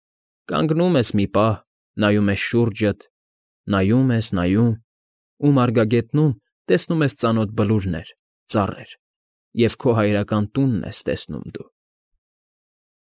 Կանգնում ես մի պահ, նայում ես շուրջդ, Նայում ես, նայում ու մարգագետնում Տեսնում ես ծանոթ բլուրներ, ծառեր, Եվ քո հայրական տունն ես տեսնում դու։